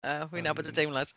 Yy wi'n nabod y deimlad.